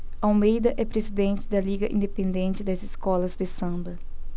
almeida é presidente da liga independente das escolas de samba